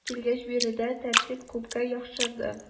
Алар килгәч биредә тәртип күпкә яхшырды.